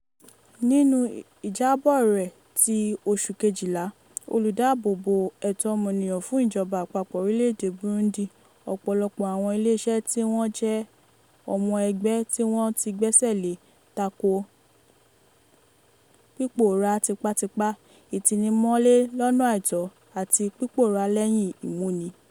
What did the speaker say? Nínú ìjábọ̀ rẹ̀ ti oṣù Kejìlá, Olùdáábòbò Ẹ̀tọ́ Ọmọnìyàn fún Ìjọba Àpapọ̀ orílẹ̀ èdè Burundi - ọ̀pọ̀lọpọ̀ àwọn ilé iṣẹ́ tí wọ́n jẹ́ ọmọ ẹgbẹ́ tí wọ́n tí gbẹ́sẹ̀ lé - tako pípòórá tipátipá, ìtinimọ́lé lọ́nà àìtó, àti pípòórá lẹ́yìn ìmúni.